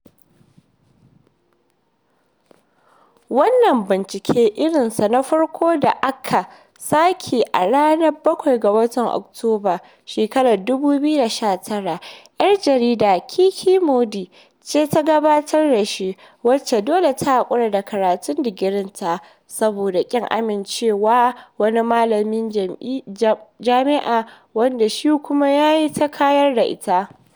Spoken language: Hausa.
Wannan bincike irinsa na farko da aka saki a ranar 7 ga watan Oktoba 2019, 'yar jarida Kiki Mordi ce ta gabatar da shi, wacce dole ta haƙura da karatun digirinta saboda ƙin amincewa wani malamin jam'ia wanda shi kuma ya yi ta kayar da ita.